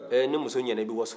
walayi ni muso ɲɛna i bɛ waso